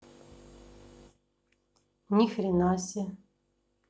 нихренасе